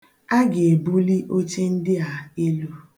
A ga-ebuli oche ndị a elu